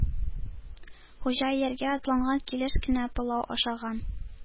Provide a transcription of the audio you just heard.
Хуҗа ияргә атланган килеш кенә пылау ашаган.